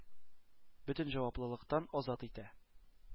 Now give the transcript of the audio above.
Бөтен җаваплылыктан азат итә.